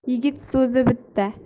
yigit so'zi bitta